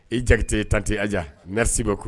I jakite tante aja nsibo kun